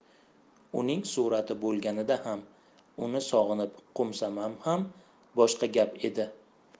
uning surati bo'lganida ham uni sog'inib qo'msasam ham boshqa gap edi